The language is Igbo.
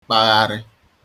kpagharị